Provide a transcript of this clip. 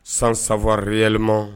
San sabariyɛlɛma